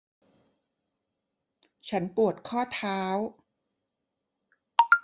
ฉันปวดข้อเท้า